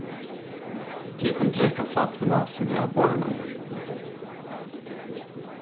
tit kunnu drekka saftina sum er á borðinum